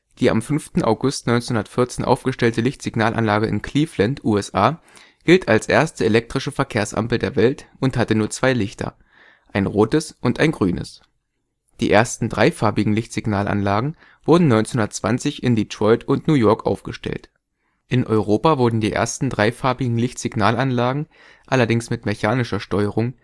Die am 5. August 1914 aufgestellte Lichtsignalanlage in Cleveland, USA, gilt als erste elektrische Verkehrsampel der Welt und hatte nur zwei Lichter: ein rotes und ein grünes. Die ersten dreifarbigen Lichtsignalanlagen wurden 1920 in Detroit und New York aufgestellt. In Europa wurden die ersten dreifarbigen Lichtsignalanlagen – allerdings mit mechanischer Steuerung